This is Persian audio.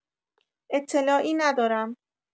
اطلاعی ندارم